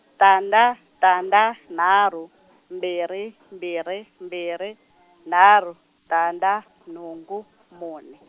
tandza tandza nharhu mbirhi mbirhi mbirhi , nharhu tandza nhungu mune.